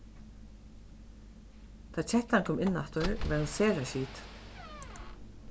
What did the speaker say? tá kettan kom inn aftur var hon sera skitin